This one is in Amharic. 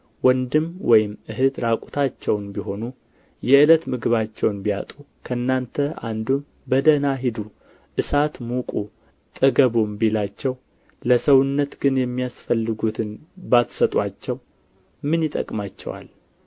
ወንድም ወይም እኅት ራቁታቸውን ቢሆኑ የዕለት ምግብንም ቢያጡ ከእናንተ አንዱም በደኅና ሂዱ እሳት ሙቁ ጥገቡም ቢላቸው ለሰውነት ግን የሚያስፈልጉትን ባትሰጡአቸው ምን ይጠቅማቸዋል